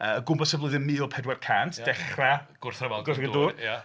O gwmpas y flwyddyn mil pedwar cant dechrau gwrthryfel Glyndŵr... Ia.